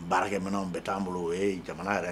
Baarakɛ minw bɛɛ taa' bolo o ye jamana yɛrɛ